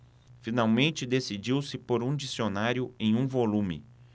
finalmente decidiu-se por um dicionário em um volume